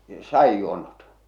sadinjuonnot